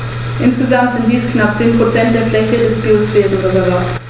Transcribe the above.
Pergamon wurde durch Erbvertrag zur römischen Provinz.